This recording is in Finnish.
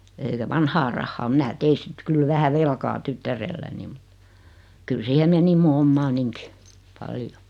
eli vanhaa rahaa minä tein sitten kyllä vähän velkaa tyttärelläni mutta kyllä siihen meni minun omaanikin paljon